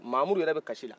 mahamudu yɛrɛ bɛ kasi na